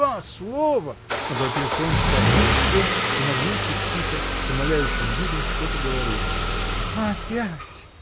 два слова, — обратился он к старшей сестре и, нагнувшись, тихо, с умоляющим видом что-то говорил ей. — Опять!